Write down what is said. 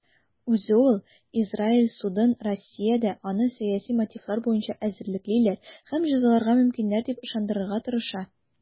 Үзе ул Израиль судын Россиядә аны сәяси мотивлар буенча эзәрлеклиләр һәм җәзаларга мөмкиннәр дип ышандырырга тырыша.